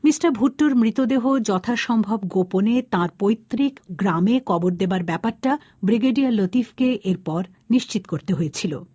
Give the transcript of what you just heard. mister ভুট্টোর মৃতদেহ যথাসম্ভব গোপনে তাঁর পৈত্রিক গ্রামে কবর দেবার ব্যাপারটা ব্রিগেডিয়ার লতিফ কে এরপর নিশ্চিত করতে হয়েছিল